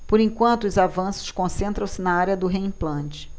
por enquanto os avanços concentram-se na área do reimplante